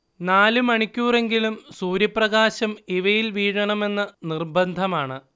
നാല് മണിക്കൂറെങ്കിലും സൂര്യപ്രകാശം ഇവയിൽ വീഴണമെന്ന് നിര്‍ബന്ധമാണ്